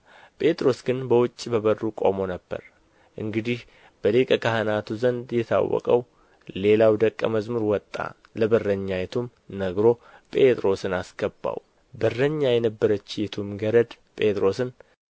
ጴጥሮስ ግን በውጭ በበሩ ቆሞ ነበር እንግዲህ በሊቀ ካህናቱ ዘንድ የታወቀው ሌላው ደቀ መዝሙር ወጣ ለበረኛይቱም ነግሮ ጴጥሮስን አስገባው በረኛ የነበረችይቱም ገረድ ጴጥሮስን